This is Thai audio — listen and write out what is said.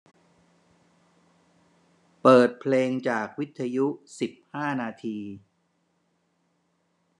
เปิดเพลงจากวิทยุสิบห้านาที